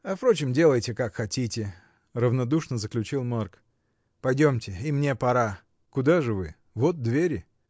А впрочем, делайте как хотите! — равнодушно заключил Марк. — Пойдемте, и мне пора! — Куда же вы — вот двери.